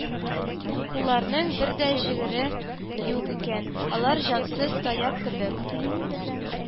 Кулларның бер дә җегәре юк икән, алар җансыз таяк кебек